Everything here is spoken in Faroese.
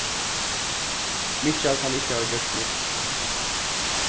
mikkjal kann ikki hava gjørt slíkt